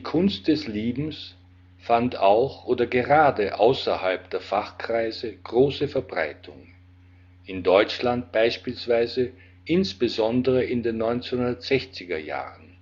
Kunst des Liebens fand auch oder gerade außerhalb der Fachkreise große Verbreitung, in Deutschland beispielsweise insbesondere in den 1960er Jahren.